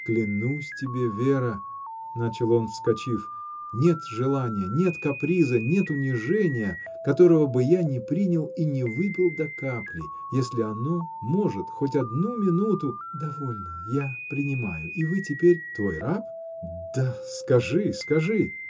— Клянусь тебе, Вера, — начал он, вскочив, — нет желания, нет каприза, нет унижения, которого бы я не принял и не выпил до капли, если оно может хоть одну минуту. — Довольно. Я принимаю — и вы теперь. — Твой раб? Да, скажи, скажи.